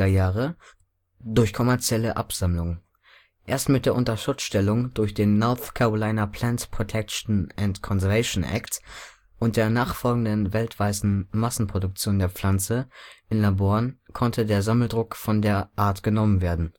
Jahre durch kommerzielle Absammlungen. Erst mit der Unterschutzstellung durch den North Carolina Plant Protection and Conservation Act und der nachfolgenden weltweiten Massenproduktion der Pflanze in Laboren konnte der Sammeldruck von der Art genommen werden